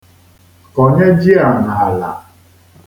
Kọnye ji a n'ala.